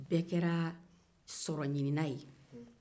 bɛɛ kɛra sɔrɔɲinina ye